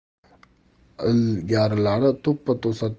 ilgarilari to'ppa to'satdan